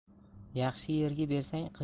yaxshi yerga bersang qizni